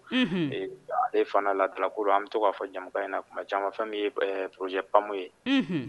Ale fana ladakoro an bɛ to k'a fɔ jamu in na tuma fɛn yejɛ pa ye